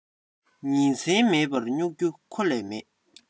ཉིན མཚན མེད པར རྨྱུག རྒྱུ ཁོ ལས མེད